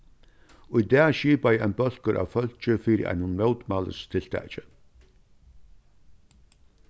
í dag skipaði ein bólkur av fólki fyri einum mótmælistiltaki